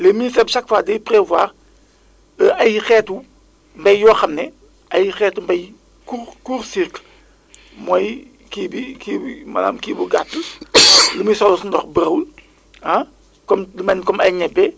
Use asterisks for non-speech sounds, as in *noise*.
léegi ministère bi chaque fois day prévoir *hesitation* ay xeetu mbéy yoo xam ne ay xeetu mbéy court court cycle mooy kii bi kii bi maanaam kii bu gàtt *coughs* lu muy soxla si ndox bëriwul ah comme du mel ni comme ay ñebe